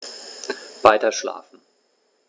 Weiterschlafen.